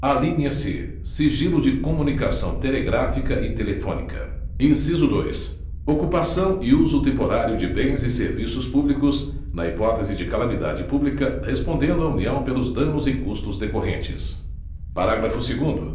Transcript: alínea c sigilo de comunicação telegráfica e telefônica inciso dois ocupação e uso temporário de bens e serviços públicos na hipótese de calamidade pública respondendo a união pelos danos e custos decorrentes parágrafo segundo